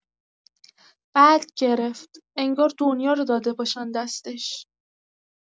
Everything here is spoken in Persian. بعد گرفت، انگار دنیا رو داده باشن دستش.